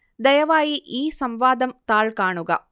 ദയവായി ഈ സംവാദം താൾ കാണുക